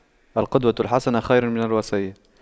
القدوة الحسنة خير من الوصية